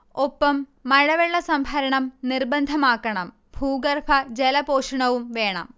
ഒപ്പം മഴവെള്ള സംഭരണം നിർബന്ധമാക്കണം ഭൂഗർഭജലപോഷണവും വേണം